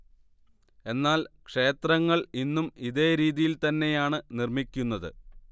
എന്നാൽ ക്ഷേത്രങ്ങൾ ഇന്നും ഇതേ രീതിയിൽ തന്നെയാണ് നിർമ്മിക്കുന്നത്